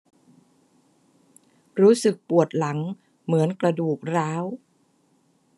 รู้สึกปวดหลังเหมือนกระดูกร้าว